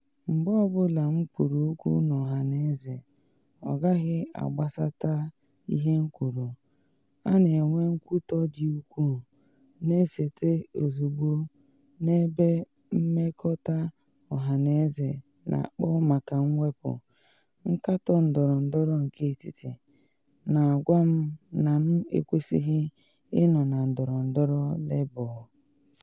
Mgbe ọ bụla m kwuru okwu n’ọhaneze - ọ gaghị agbasata ihe m kwuru - a na enwe nkwụtọ dị ukwuu na esote ozugbo n’ebe mmerịkọta ọhaneze na akpọ maka mwepu, nkatọ ndọrọndọrọ nke etiti, na agwa m na m ekwesịghị ịnọ na ndọrọndọrọ Labour.